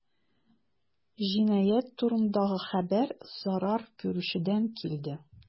Җинаять турындагы хәбәр зарар күрүчедән килде.